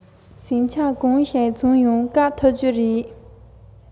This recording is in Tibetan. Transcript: ད རེས ཀྱི དོན རྐྱེན ཐོག ནས བཟོ པའི གྲལ རིམ ནི བློས འགེལ ཆོག པ ཞིག ཡིན པ དང